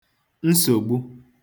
nsògbu